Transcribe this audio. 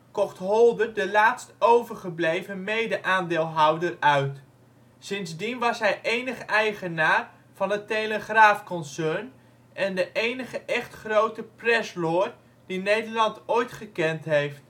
kocht Holdert de laatst overgebleven mede-aandeelhouder uit. Sindsdien was hij enig eigenaar van het Telegraaf-concern en de enige echt grote ' press lord ' die Nederland ooit gekend heeft